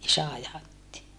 isä ajatti